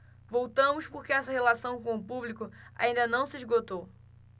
voltamos porque essa relação com o público ainda não se esgotou